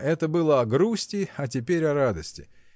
это было о грусти, а теперь о радости.